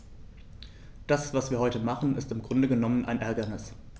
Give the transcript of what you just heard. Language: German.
Das, was wir heute machen, ist im Grunde genommen ein Ärgernis.